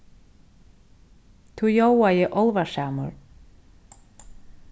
tú ljóðaði álvarsamur